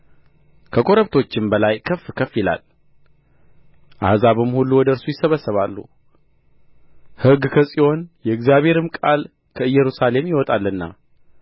ከኮረብቶችም በላይ ከፍ ከፍ ይላል አሕዛብም ሁሉ ወደ እርሱ ይሰበሰባሉ ሕግ ከጽዮን የእግዚአብሔርም ቃል ከኢየሩሳሌም ይወጣልና